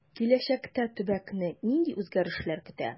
Киләчәктә төбәкне нинди үзгәрешләр көтә?